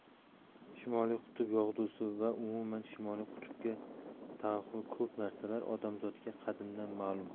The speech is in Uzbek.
shimoliy qutb yog'dusi va umuman shimoliy qutbga taalluqli ko'p narsalar odamzotga qadimdan ma'lum